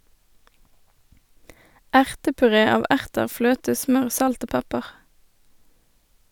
Ertepuré av erter, fløte, smør, salt og pepper.